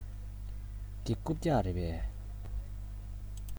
འདི རྐུབ བཀྱག རེད པས